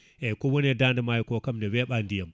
eyyi kowone Dannde maayo ko kam ina weɓa ndiyam